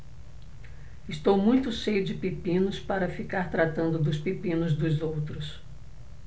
estou muito cheio de pepinos para ficar tratando dos pepinos dos outros